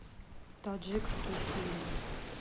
таджикские фильмы